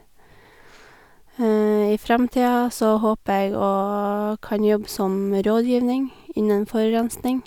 I framtida så håper jeg å kan jobbe som rådgivning innen forurensning.